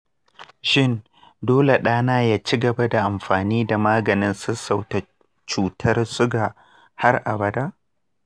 shin dole ɗana ya cigaba da amfani da maganin sassauta cutar suga har abada?